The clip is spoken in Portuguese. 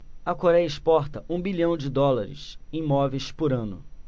a coréia exporta um bilhão de dólares em móveis por ano